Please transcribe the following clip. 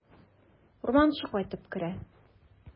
Урманчы кайтып керә.